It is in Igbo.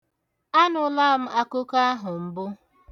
Anụla m akụkọ ahụ mbụ.